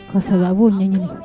Kɔsa b'o ɲini